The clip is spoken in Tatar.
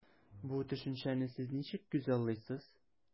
Бу төшенчәне сез ничек күзаллыйсыз?